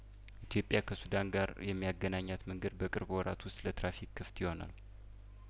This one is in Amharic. ኢትዮጵያ ከሱዳን ጋር የሚያገናኛት መንገድ በቅርብ ወራት ውስጥ ለትራፊክ ክፍት ይሆናል